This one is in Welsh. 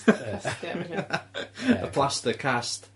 Castia' felly. Ie ocê. Y plaster cast.